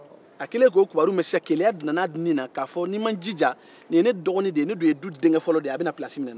a kɛlen k'o kibaru mɛn keleya nana a dusukun na k'a fɔ ni n ma n jija nin ye ne dɔgɔnin de ye ne dun ye du denkɛ fɔlɔ ye a bɛna pilasi minɛ n na